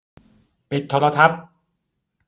ปิดโทรทัศน์